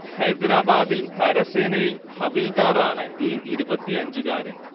ഹൈദരബാദിൽ കരസനേയിൽ ഹവിൽദാറാണ് ഈ ഇരുപത്തിയഞ്ചുകാരൻ